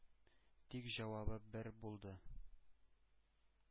Тик җавабы бер булды: